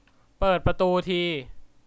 เปิดประตูที